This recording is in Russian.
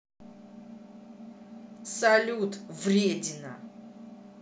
салют вредина